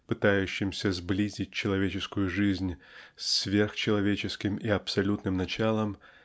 пытающимся сблизить человеческую жизнь с сверхчеловеческим и абсолютным началом